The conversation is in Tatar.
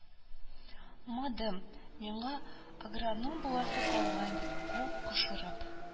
Мадым, миңа агроном буласы калган» дип кул кушырып